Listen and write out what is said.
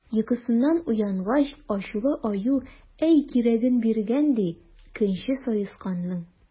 Йокысыннан уянгач, ачулы Аю әй кирәген биргән, ди, көнче Саесканның!